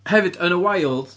Hefyd yn y wild...